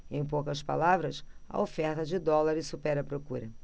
em poucas palavras a oferta de dólares supera a procura